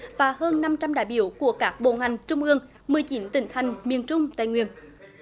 và hơn năm trăm đại biểu của các bộ ngành trung ương mười chín tỉnh thành miền trung tây nguyên